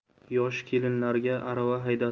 yosh kelinlarga arava